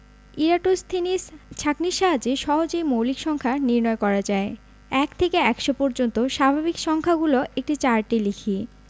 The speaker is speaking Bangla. ইরাটোন্থিনিস ছাঁকনির সাহায্যে সহজেই মৌলিক সংখ্যা নির্ণয় করা যায় ১ থেকে ১০০ পর্যন্ত স্বাভাবিক সংখ্যাগুলো একটি চার্টে লিখি